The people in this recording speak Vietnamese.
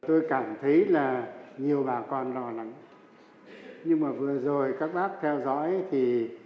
tôi cảm thấy là nhiều bà con lo lắng nhưng mà vừa rồi các bác theo dõi thì